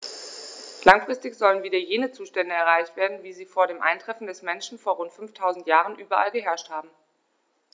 Langfristig sollen wieder jene Zustände erreicht werden, wie sie vor dem Eintreffen des Menschen vor rund 5000 Jahren überall geherrscht haben.